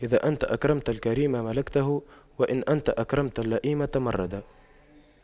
إذا أنت أكرمت الكريم ملكته وإن أنت أكرمت اللئيم تمردا